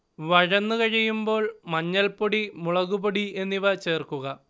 വഴന്നു കഴിയുമ്പോൾ മഞ്ഞൾപ്പൊടി, മുളകുപ്പൊടി എന്നിവ ചേർക്കുക